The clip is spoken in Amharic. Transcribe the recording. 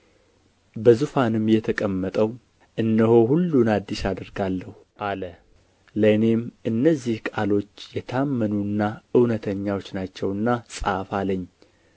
በዙፋንም የተቀመጠው እነሆ ሁሉን አዲስ አደርጋለሁ አለ ለእኔም እነዚህ ቃሎች የታመኑና እውነተኛዎች ናቸውና ጻፍ አለኝ